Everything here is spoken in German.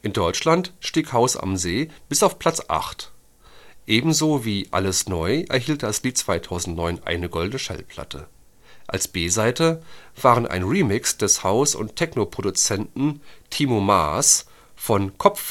Deutschland stieg Haus am See bis auf Platz 8. Ebenso wie Alles neu erhielt das Lied 2009 eine Goldene Schallplatte. Als B-Seite waren ein Remix des House - und Techno-Produzenten Timo Maas von Kopf